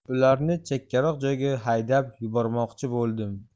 ularni chekkaroq joyga haydab yubormoqchi bo'ldim